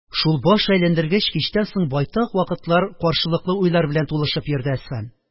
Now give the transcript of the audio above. Шул баш әйләндергеч кичтән соң байтак вакытлар каршылыклы уйлар белән тулышып йөрде Әсфан